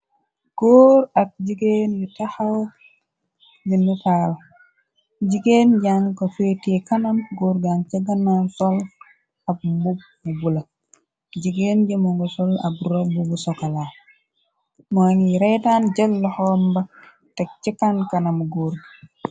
Góor ak jigéen yu texaw di natalu jigéen jàng ko feeti kanam goór gang ca ganga sol ab mbob nu bula jigeen ja mungu sol ab roubu bu sokula mooy ngi reytaan jël laxoo mba tek c kan kanamu góor gi.